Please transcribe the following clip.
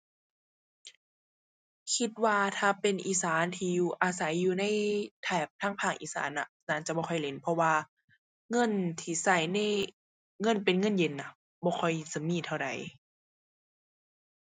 คิดว่าถ้าเป็นอีสานที่อยู่อาศัยอยู่ในแถบทางภาคอีสานน่ะ น่าจะบ่ค่อยเล่น เพราะว่าเงินที่ใช้ใน เงินเป็นเงินเย็นน่ะ บ่ค่อยจะมีเท่าใด